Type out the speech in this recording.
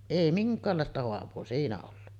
ei minkäänlaista haavaa siinä ollut